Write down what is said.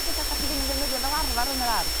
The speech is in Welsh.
petha 'sach chi ddim yn ddefnyddio fel arfar yn yr ardd.